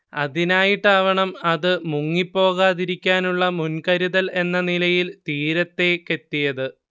അതിനായിട്ടാവണം അത് മുങ്ങിപ്പോകാതിരിക്കാനുള്ള മുൻകരുതൽ എന്ന നിലയിൽ തീരത്തേക്കെത്തിയത്